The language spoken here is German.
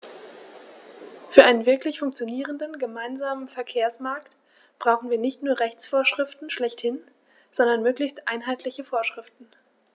Für einen wirklich funktionierenden gemeinsamen Verkehrsmarkt brauchen wir nicht nur Rechtsvorschriften schlechthin, sondern möglichst einheitliche Vorschriften.